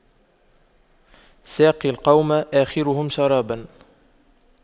ساقي القوم آخرهم شراباً